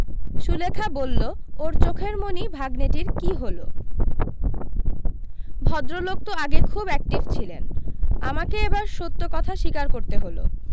সুলেখা বললো ওর চোখের মণি ভাগ্নেটির কী হলো ভদ্রলোক তো আগে খুব অ্যাকটিভ ছিলেন আমাকে এবার সত্য কথা স্বীকার করতে হলো